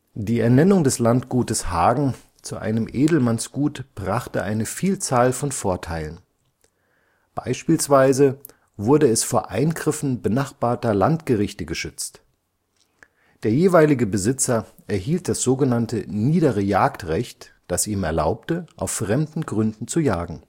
Die Ernennung des Landgutes Hagen zu einem Edelmannsgut brachte eine Vielzahl von Vorteilen. Beispielsweise wurde es vor Eingriffen benachbarter Landgerichte geschützt. Der jeweilige Besitzer erhielt das sogenannte niedere Jagdrecht, das ihm erlaubte auf fremden Gründen zu jagen